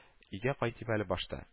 Өйгә кайтыйм әле башта